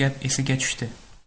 gap esiga tushdi